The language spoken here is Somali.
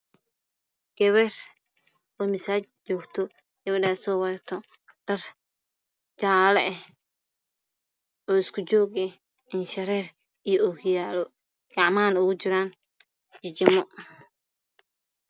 Gabar masaajid wadato Dhar jaalo indhashareer okiyalo gacmahaha ogu jiraan jijimoo